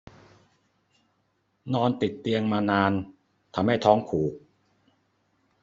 นอนติดเตียงมานานทำให้ท้องผูก